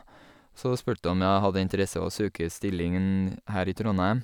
Så spurte om jeg hadde interesse å søke stillingen her i Trondheim.